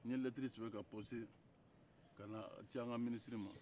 n ye lɛtiri sɛbɛn ka pɔsite ka na ci an ka minisiri ma